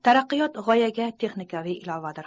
taraqqiyot g'oyaning texnikaviy samarasidir